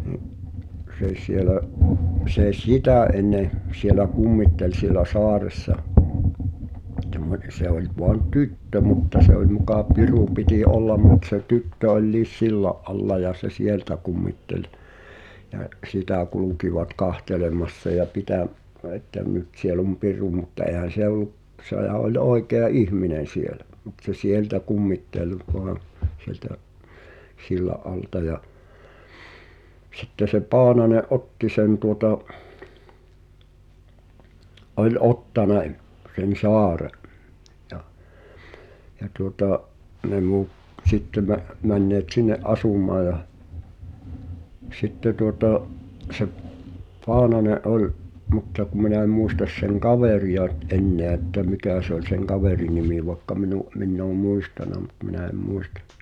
niin se siellä se sitä ennen siellä kummitteli siellä saaressa semmoinen se oli vain tyttö mutta se oli muka piru piti olla mutta se tyttö oli sillan alla ja se sieltä kummitteli ja sitä kulkivat katselemassa ja -- että - nyt siellä on piru mutta eihän se ollut sehän oli oikea ihminen siellä mutta se sieltä kummitteli vain sieltä sillan alta ja sitten se Paananen otti sen tuota oli ottanut sen saaren ja ja tuota ne - sitten - menneet sinne asumaan ja sitten tuota se Paananen oli mutta kun minä en muista sen kaveria nyt enää että mikä se oli sen kaverin nimi vaikka minun minä olen muistanut mutta minä en muista